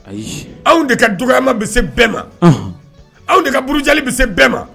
Ayi anw de ka dɔgɔyama bɛ se bɛɛ ma, anhan, aw de burujali bɛ bɛɛ ma